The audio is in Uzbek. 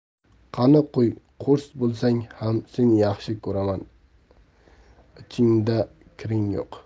qani quy qo'rs bo'lsang ham seni yaxshi ko'raman ichingda kiring yo'q